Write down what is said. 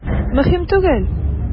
Мөһим түгел.